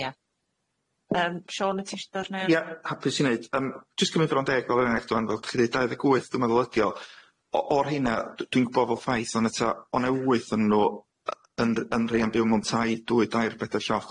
Ia. Yym Siôn y tisio dor- neu'r Ie hapus i neud yym jyst cymyd bron deg fel reit wan fel chi'n deud dau ddeg wyth dwi'n meddwl ydi o, o- o'r rheina d- dwi'n gwbo' fel ffaith ond eto o' ne' wyth o'n nw yy yn rh- yn rhei yn byw mewn tai dwy dair bedair lloch,